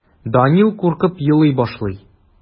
Данил куркып елый башлый.